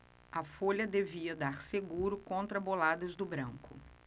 a folha devia dar seguro contra boladas do branco